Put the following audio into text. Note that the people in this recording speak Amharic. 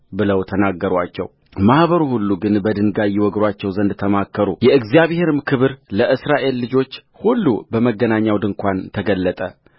ብለው ተናገሩአቸውማኅበሩ ሁሉ ግን በድንጋይ ይወግሩአቸው ዘንድ ተማከሩ የእግዚአብሔርም ክብር ለእስራኤል ልጆች ሁሉ በመገናኛው ድንኳን ተገለጠ